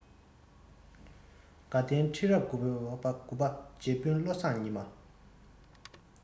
དགའ ལྡན ཁྲི རབས དགུ བ རྗེ དཔོན བློ བཟང ཉི མ